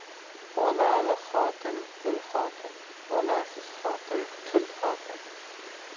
bolali xotin gul xotin bolasiz xotin tul xotin